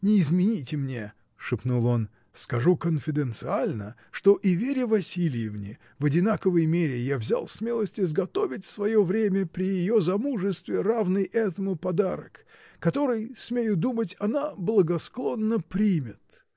Не измените мне, — шепнул он, — скажу конфиденциально, что и Вере Васильевне в одинаковой мере я взял смелость изготовить в свое время, при ее замужестве, равный этому подарок, который, смею думать, она благосклонно примет.